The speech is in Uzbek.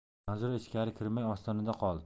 manzura ichkari kirmay ostonada qoldi